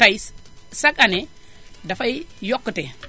tay chaque année dafay yokkute